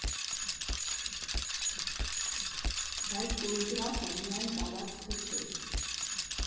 Բայց Պոլիգրաֆը միայն տարածքը չէր։